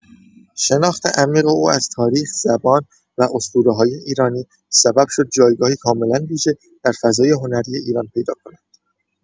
شناخت عمیق او از تاریخ، زبان و اسطوره‌های ایرانی سبب شد جایگاهی کاملا ویژه در فضای هنری ایران پیدا کند.